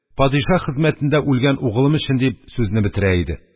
«падишаһ хезмәтендә үлгән угылым өчен», – дип, сүзне бетерә иде.